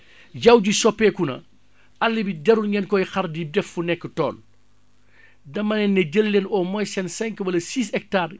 jaww ji soppeeku na àll bi jarul ngeen koy xar di def fu nekk tool dama leen ne jël leen au moins seen cinq wala six hectares